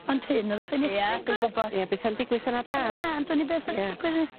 ond hyn o'dd y ffenestru'n gora'. Ie dwi'n gwbod. I be' sy am digwydd sa 'na dân? Sa 'na dân dwn i beth sa'n digwydd i...